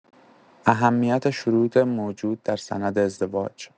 اهمیت شروط موجود در سند ازدواج